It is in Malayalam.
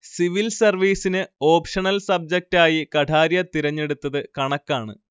സിവിൽ സർവീസിന് ഓപ്ഷണൽ സബ്ജറ്റായി കഠാരിയ തിരഞ്ഞെടുത്തത് കണക്കാണ്